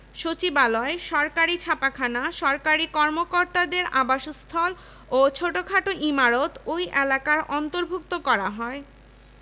ড. S C. Vidyabhushan C W. Peake W A T. Archbold Shamsul Ulama A N M Wahed Lalitmohan Chattopadhyay Anandachandra রায়